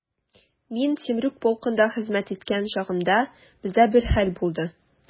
Мин Темрюк полкында хезмәт иткән чагымда, бездә бер хәл булды.